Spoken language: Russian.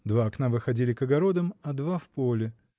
Два окна выходили к огородам, а два в поле.